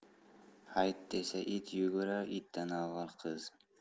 hayt desa it yugurar itdan avval qiz